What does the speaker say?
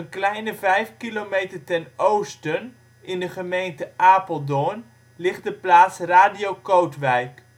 kleine vijf kilometer ten oosten, in de gemeente Apeldoorn, ligt de plaats Radio Kootwijk